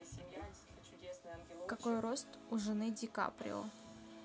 какой рост у жены ди каприо